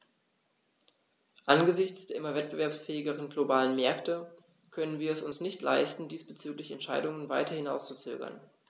Angesichts der immer wettbewerbsfähigeren globalen Märkte können wir es uns nicht leisten, diesbezügliche Entscheidungen weiter hinauszuzögern.